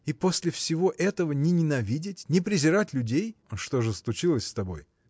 – и после всего этого не ненавидеть не презирать людей! – Что же случилось с тобой?